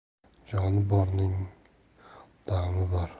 joni borning dami bor